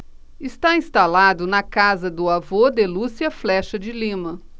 está instalado na casa do avô de lúcia flexa de lima